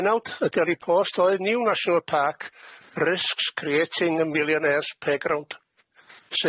Pennawd ydi ar ei post oedd New National Park risks creating a millionaire's playground.